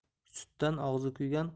sutdan og'zi kuygan